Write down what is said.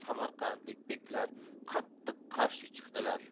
samarqandlik beklar qattiq qarshi chiqdilar